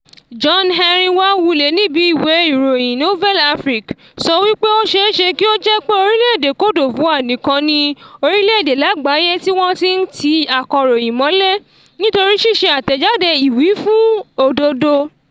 John Henry Kwahulé níbi Ìwé Ìròyìn Nouvelle Afrique sọ wípé ó ṣeéṣe kí ó jẹ́ pé orílẹ̀ èdè Cote d'Ivoire nìkan ni orílẹ̀-èdè lágbàáyé tí wọ́n ti ń tí akọ̀ròyìn mọ́lé nítorí ṣíṣe àtẹ̀jáde ìwífún òdodo.